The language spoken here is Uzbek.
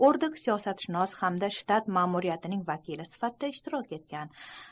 ordok siyosatshunos hamda shtat mamuriyatining vakili sifatida ishtirok etgan